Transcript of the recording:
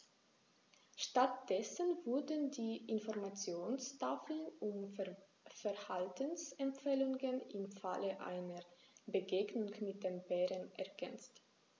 Stattdessen wurden die Informationstafeln um Verhaltensempfehlungen im Falle einer Begegnung mit dem Bären ergänzt.